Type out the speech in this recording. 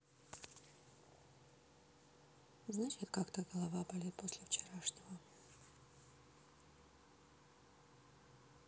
значит как то голова болит после вчерашнего